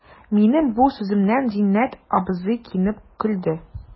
Минем бу сүземнән Зиннәт абзый кинәнеп көлде.